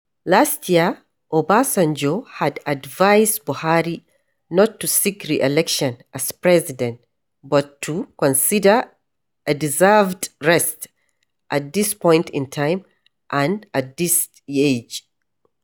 Last year, Obasanjo had advised Buhari not to seek re-election as president but to "consider a deserved rest at this point in time and at this age".